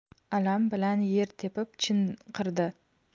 alam bilan yer tepib chinqirdi